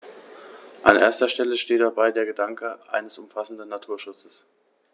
An erster Stelle steht dabei der Gedanke eines umfassenden Naturschutzes.